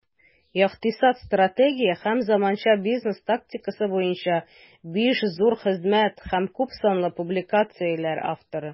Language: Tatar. Икътисад, стратегия һәм заманча бизнес тактикасы буенча 5 зур хезмәт һәм күпсанлы публикацияләр авторы.